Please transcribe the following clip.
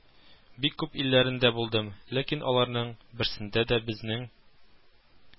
Бик күп илләрендә булдым, ләкин аларның берсендә дә безнең